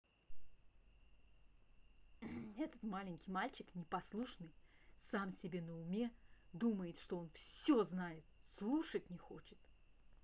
это маленький мальчик непослушный сам себе на уме думает что он все знает слушать не хочет